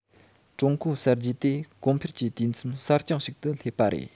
ཀྲུང གོའི གསར བརྗེ དེ གོང འཕེལ གྱི དུས མཚམས གསར རྐྱང ཞིག ཏུ སླེབས པ རེད